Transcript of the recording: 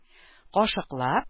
Кашыклап